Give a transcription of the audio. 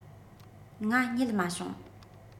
ང རྙེད མ བྱུང